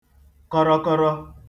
kọrọkọrọ